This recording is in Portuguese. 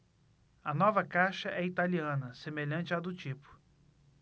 a nova caixa é italiana semelhante à do tipo